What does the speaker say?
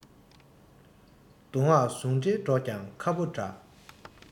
མདོ སྔགས ཟུང འབྲེལ སྒྲོག ཀྱང ཁ ཕོ འདྲ